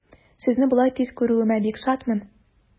Сезне болай тиз күрүемә бик шатмын.